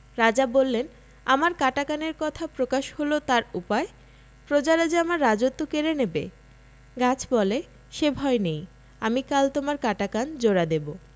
রাজা বললেন আমার কাটা কানের কথা প্রকাশ হল তার উপায় প্রজারা যে আমার রাজত্ব কেড়ে নেবে গাছ বলে সে ভয় নেই আমি কাল তোমার কাটা কান জোড়া দেব